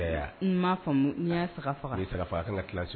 N m'a fɔ n fa fa ka fila fo a ka tila